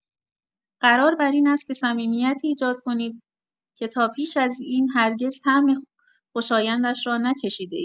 قرار بر این است که صمیمیتی ایجاد کنید که تا پیش از این هرگز طعم خوشایندش را نچشیده‌اید.